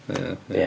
Ia ia.